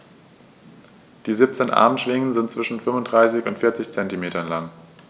Die 17 Armschwingen sind zwischen 35 und 40 cm lang.